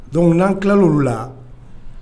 Jɔn tila olu la